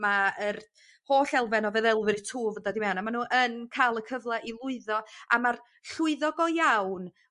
Ma' yr holl elfen o fe- ddelfryd Twf yn dod i mewn a ma' nw yn ca'l y cyfle i lwyddo a ma'r llwyddogol iawn